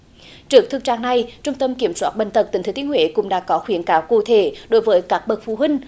trước thực trạng này trung tâm kiểm soát bệnh tật tỉnh thừa thiên huế cũng đã có khuyến cáo cụ thể đối với các bậc phụ huynh